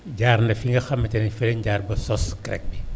jaar na fi nga xamante ne fa lañ jaar ba sos CREC